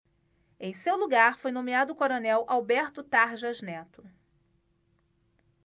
em seu lugar foi nomeado o coronel alberto tarjas neto